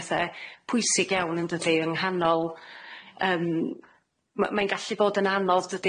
bethe pwysig iawn yndydi? yng nghanol yym m- mae'n gallu bod yn anodd dydi?